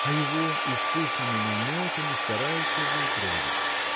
а его искусными намеками стараются выпроводить.